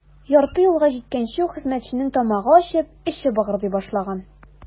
Ярты юлга җиткәнче үк хезмәтченең тамагы ачып, эче быгырдый башлаган.